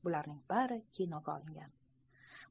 bularning bari kinoga olingan